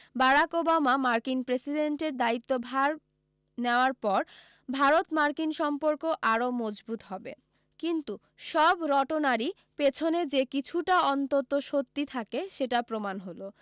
Barack Obama মার্কিন প্রেসিডেন্টের দায়িত্ব ভার নেওয়ার পর ভারত মার্কিন সম্পর্ক আরও মজবুত হবে কিন্তু সব রটনারই পিছনে যে কিছুটা অন্তত সত্যি থাকে সেটা প্রমাণ হল